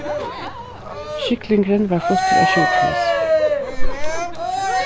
sjúklingurin varð fluttur á sjúkrahús